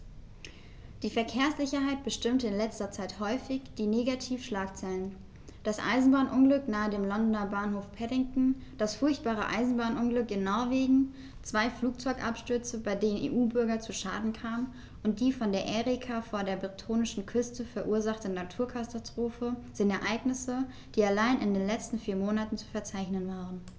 Die Verkehrssicherheit bestimmte in letzter Zeit häufig die Negativschlagzeilen: Das Eisenbahnunglück nahe dem Londoner Bahnhof Paddington, das furchtbare Eisenbahnunglück in Norwegen, zwei Flugzeugabstürze, bei denen EU-Bürger zu Schaden kamen, und die von der Erika vor der bretonischen Küste verursachte Naturkatastrophe sind Ereignisse, die allein in den letzten vier Monaten zu verzeichnen waren.